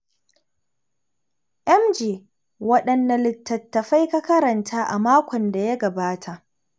MJ: Waɗanne littatafai ka karanta a makon da ya gabata?